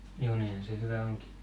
joo niinhän se hyvä onkin